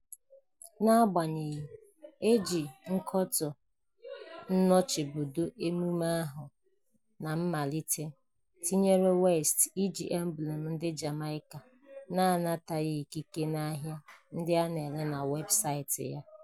Agbaghenyị, e ji nkọtọ nọchibido emume ahụ na mmalite, tinyere West iji emblem ndị Jaimaca na-anataghị ikike n'ahịa ndị a na-ere na weebusaịtị ya.